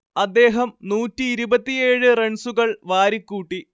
അദ്ദേഹം നൂറ്റിയിരുപത്തിയേഴ് റൺസുകൾ വാരിക്കൂട്ടി